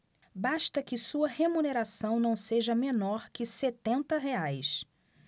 basta que sua remuneração não seja menor que setenta reais